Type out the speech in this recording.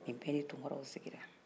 nin bɛɛ ni tunkaraw sigira